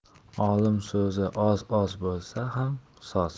olim so'zi oz oz bo'lsa ham soz